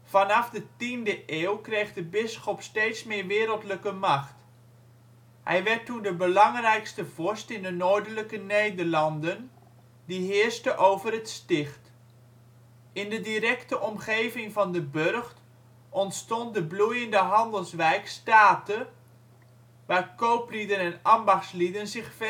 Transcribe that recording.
Vanaf de tiende eeuw kreeg de bisschop steeds meer wereldlijke macht. Hij werd toen de belangrijkste vorst in de Noordelijke Nederlanden, die heerste over het Sticht. In de directe omgeving van de burcht ontstond de bloeiende handelswijk Stathe waar kooplieden en ambachtslieden zich